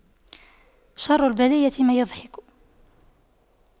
شر البلية ما يضحك